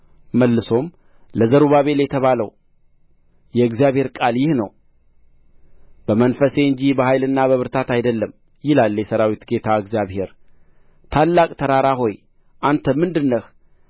መልሶም ለዘሩባቤል የተባለው የእግዚአብሔር ቃል ይህ ነው በመንፈሴ እንጂ በኃይልና በብርታት አይደለም ይላል የሠራዊት ጌታ እግዚአብሔር ታላቅ ተራራ ሆይ አንተ ምንድር ነህ